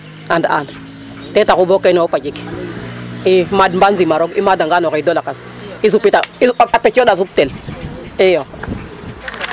And'an ten taxu bo kene fop a jeg i maad mbaan gim a roog ,i maadangaan o xid o lakas i supit a ,a pecooƭ a suptel iyo.